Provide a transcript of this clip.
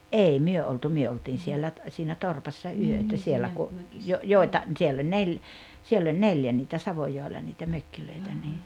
ei me oltu me oltiin siellä - siinä torpassa yötä siellä kun - joita siellä oli - siellä oli neljä niitä Savojoella niitä mökkejä niin